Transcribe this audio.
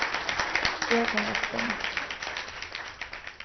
eg kann hjálpa henni